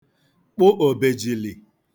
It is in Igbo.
kpụ òbèjìlì